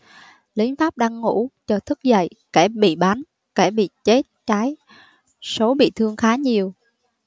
lính pháp đang ngủ chợt thức dậy kẻ bị bắn kẻ bị chết cháy số bị thương khá nhiều